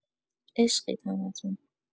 عشقید همتون